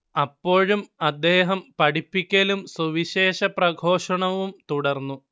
അപ്പോഴും അദ്ദേഹം പഠിപ്പിക്കലും സുവിശേഷ പ്രഘോഷണവും തുടർന്നു